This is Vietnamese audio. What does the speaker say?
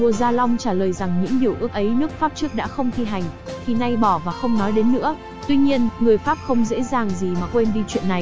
vua gia long trả lời rằng những điều ước ấy nước pháp trước đã không thi hành thì nay bỏ và không nói đến nữa tuy nhiên người pháp không dễ dàng gì mà quên đi chuyện này